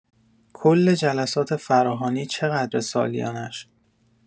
کل جلسات فراهانی چقدره سالیانش؟